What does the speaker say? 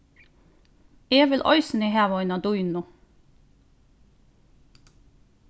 eg vil eisini hava eina dýnu